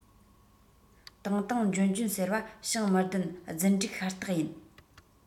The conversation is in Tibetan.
བཏང བཏང འཇོན འཇོན ཟེར བ བྱིངས མི བདེན རྫུན སྒྲིག ཤ སྟག ཡིན